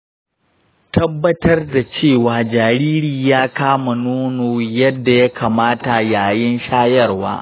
tabbatar da cewa jariri ya kama nono yadda ya kamata yayin shayarwa.